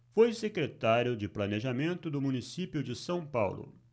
foi secretário de planejamento do município de são paulo